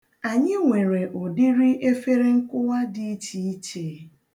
Anyị nwere ụdịrị efere nkụwa dị iche iche.